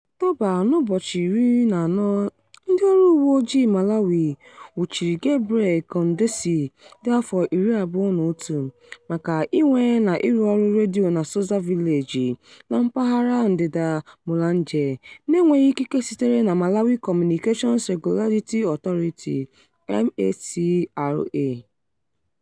N'Ọktọba 14th Ndịọrụ Uweojii Malawi nwụchiri Gabriel Kondesi dị afọ 21 maka inwe na ịrụ ọrụ redio na Soza Village na mpaghara ndịda Mulanje, na-enweghị ikike sitere na Malawi Communications Regulatory Authority (MACRA).